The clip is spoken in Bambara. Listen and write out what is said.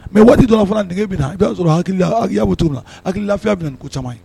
Mɛ waati dɔ fana dege bɛna na a'a sɔrɔ hakiliya to min la hakilikil lafiya minɛ nin ko caman ye